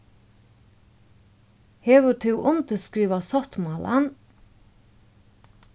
hevur tú undirskrivað sáttmálan